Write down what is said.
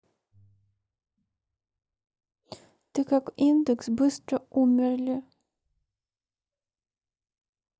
ты как индекс быстро умерли